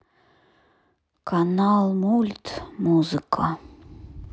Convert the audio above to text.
канал мульт музыка